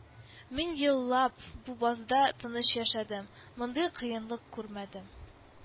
— мең еллап бу базда тыныч яшәдем, мондый кыенлык күрмәдем